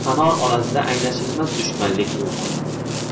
fanor orasida anglashilmas dushmanlik uyg'ondi